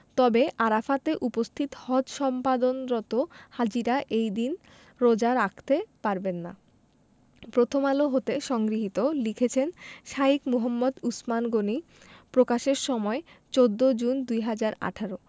তবে আরাফাতে উপস্থিত হজ সম্পাদনরত হাজিরা এই দিন রোজা রাখতে পারবেন না প্রথমআলো হতে সংগৃহীত লিখেছেন শাঈখ মুহাম্মদ উছমান গনী প্রকাশের সময় ১৪ জুন ২০১৮